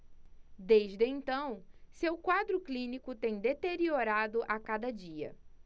desde então seu quadro clínico tem deteriorado a cada dia